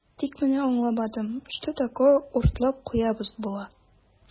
Тик менә аңламадым, что такое "уртлап куябыз" була?